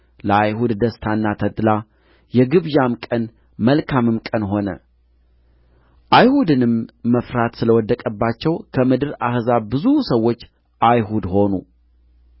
ለአይሁድ ደስታና ተድላ የግብዣም ቀን መልካምም ቀን ሆነ አይሁድንም መፍራት ስለ ወደቀባቸው ከምድር አሕዛብ ብዙ ሰዎች አይሁድ ሆኑ